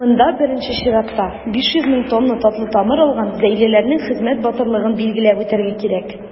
Монда, беренче чиратта, 500 мең тонна татлы тамыр алган зәйлеләрнең хезмәт батырлыгын билгеләп үтәргә кирәк.